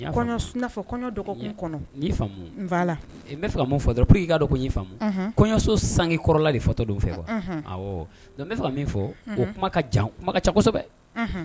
Kɔɲɔ kɔɲɔ na fɛ fɔ dɔrɔni dɔn koi fa kɔɲɔso san kɔrɔla de fɔtɔ fɛ bɛ fɛ ka min fɔ kuma kuma ka